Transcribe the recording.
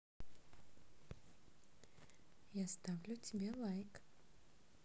я ставлю тебе лайк